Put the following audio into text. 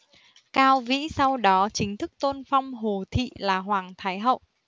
cao vĩ sau đó chính thức tôn phong hồ thị là hoàng thái hậu